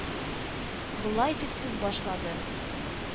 Болай дип сүз башлады: